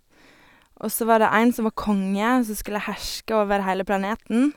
Og så var det en som var konge, og som skulle herske over heile planeten.